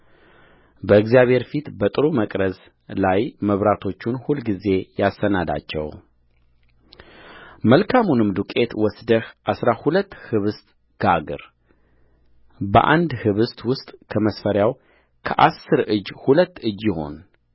በእግዚአብሔር ፊት በጥሩ መቅረዝ ላይ መብራቶቹን ሁልጊዜ ያሰናዳቸውመልካሙንም ዱቄት ወስደህ አሥራ ሁለት ኅብስት ጋግር በአንድ ኅብስት ውስጥ ከመስፈሪያው ከአሥር እጅ ሁለት እጅ ይሁን